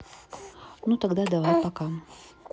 ну тогда давай пока